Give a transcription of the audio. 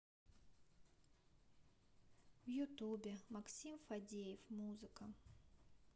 в ютубе максим фадеев музыка